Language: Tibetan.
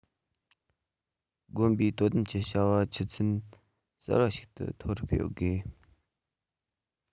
དགོན པའི དོ དམ གྱི བྱ བ ཆུ ཚད གསར བ ཞིག ཏུ མཐོ རུ སྤེལ དགོས